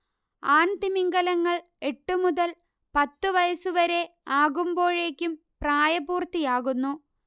ആൺതിമിംഗിലങ്ങൾ എട്ടു മുതൽ പത്ത് വയസ്സുവരെ ആകുമ്പോഴേക്കും പ്രായപൂർത്തിയാകുന്നു